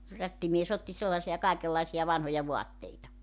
kun rättimies otti sellaisia kaikenlaisia vanhoja vaatteita